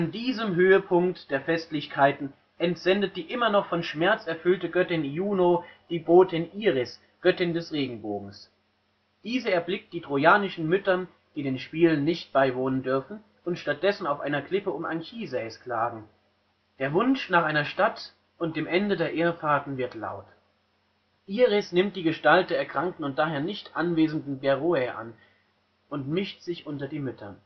diesem Höhepunkt der Festlichkeiten entsendet die immer noch von Schmerz erfüllte Göttin Juno die Botin Iris, Göttin des Regenbogens. Diese erblickt die trojanischen Mütter, die den Spielen nicht beiwohnen dürfen und stattdessen auf einer Klippe um Anchises klagen; der Wunsch nach einer Stadt und dem Ende der Irrfahrten wird laut. Iris nimmt die Gestalt der erkrankten und daher nicht anwesenden Beroe an und mischt sich unter die Mütter